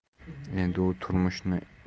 endi u turmushni